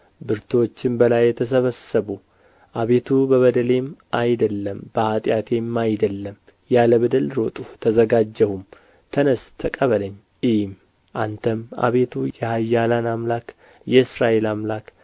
ብርቱዎችም በላዬ ተሰበሰቡ አቤቱ በበደሌም አይደለም በኃጢአቴም አይደለም ያለ በደል ሮጥሁ ተዘጋጀሁም ተነሥ ተቀበለኝ እይም አንተም አቤቱ የኃያላን አምላክ የእስራኤል አምላክ